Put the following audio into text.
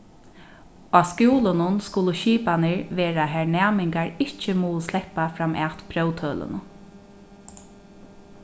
á skúlunum skulu skipanir vera har næmingar ikki mugu sleppa framat próvtølunum